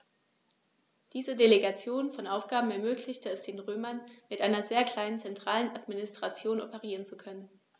Diese Delegation von Aufgaben ermöglichte es den Römern, mit einer sehr kleinen zentralen Administration operieren zu können.